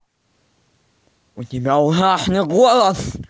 у тебя ужасный голос